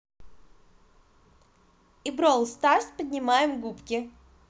и brawl stars поднимаем губки